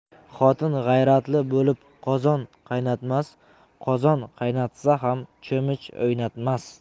xotin g'ayratli bo'lib qozon qaynatmas qozon qaynatsa ham cho'mich o'ynatmas